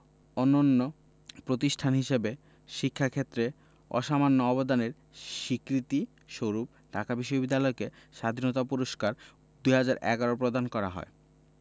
অনন্য প্রতিষ্ঠান হিসেবে শিক্ষা ক্ষেত্রে অসামান্য অবদানের স্বীকৃতিস্বরূপ ঢাকা বিশ্ববিদ্যালয়কে স্বাধীনতা পুরস্কার ২০১১ প্রদান করা হয়